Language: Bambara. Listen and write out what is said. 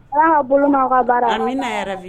Ala k'aw bolo mɛn aw ka baara la. Amina yaa rabi